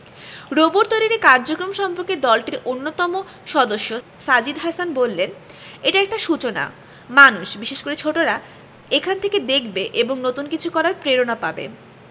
robot তৈরির এ কার্যক্রম সম্পর্কে দলটির অন্যতম সদস্য সাজিদ হাসান বললেন এটা একটা সূচনা মানুষ বিশেষ করে ছোটরা এখান থেকে দেখবে এবং নতুন কিছু করার প্রেরণা পাবে